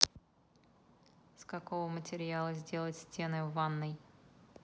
с какого материала сделать стены в ванной